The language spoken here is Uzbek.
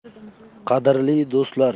qadrli do'stlar